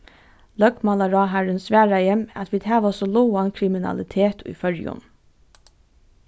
løgmálaráðharrin svaraði at vit hava so lágan kriminalitet í føroyum